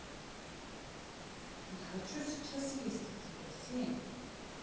не хочу сейчас съесть я тебя семь